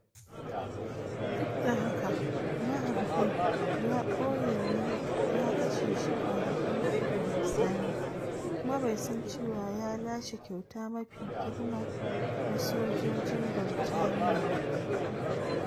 Duk da haka, maharbin boye ne ya kashe shi kwanaki hudu daga bisani, kuma bai san cewa ya lashe kyauta mafi girma na sojojin Birtaniya ba.